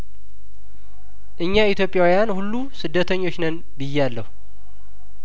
እኛ ኢትዮጵያውያን ሁሉ ስደተኞችነን ብያለሁ